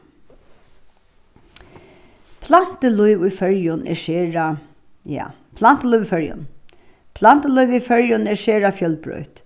plantulív í føroyum er sera ja plantulív í føroyum plantulívið í føroyum er sera fjølbroytt